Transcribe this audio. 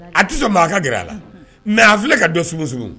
A tɛ sɔn maa ka gɛrɛ a la mais a filɛ ka don sumu sugu!